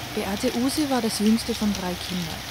Beate Uhse war das jüngste von drei Kindern